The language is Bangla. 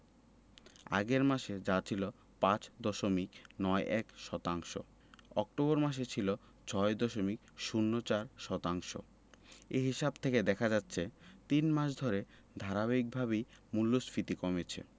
আগের মাসে যা ছিল ৫ দশমিক ৯১ শতাংশ এবং অক্টোবর মাসে ছিল ৬ দশমিক ০৪ শতাংশ এ হিসাব থেকে দেখা যাচ্ছে তিন মাস ধরে ধারাবাহিকভাবেই মূল্যস্ফীতি কমেছে